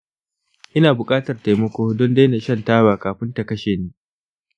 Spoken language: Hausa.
ina buƙatar taimako don daina shan taba kafin ta kashe ni.